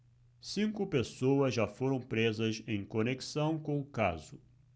cinco pessoas já foram presas em conexão com o caso